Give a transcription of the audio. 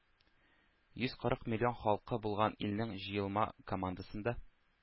Йөз кырык миллион халкы булган илнең җыелма командасында